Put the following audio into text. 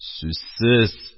Сүзсез,